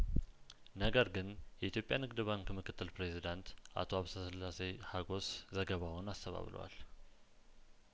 ነገር ግን የኢትዮጵያ ንግድ ባንክምክትል ፕሬዝዳንት አቶ ሀብሰ ስላሴ ሀጐስ ዘገባውን አስተባ ብለዋል